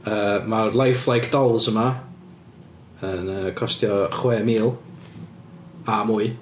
Yy mae'r life-like dolls yma yy yn costio chwe mil a mwy.